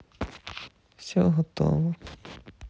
все готово